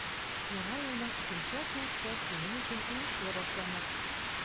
Яңа елның икенче атнасы синең өчен уңышлы башланыр.